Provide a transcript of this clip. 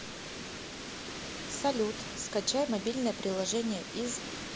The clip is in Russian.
салют скачай мобильное приложение из